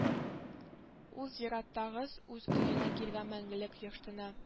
Ул зираттагы үз өенә килгән мәңгелек йортына